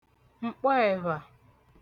m̀kpọẹ̀vhà